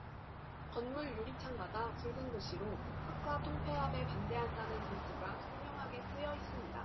건물 유리창마다 붉은 글씨로 학과 통폐합에 반대한다는 문구가 선명하게 쓰여있습니다